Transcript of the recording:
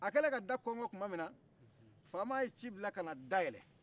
a kelɛn ka da konkon tumaminna faama ye ci bila ka na da yɛlɛ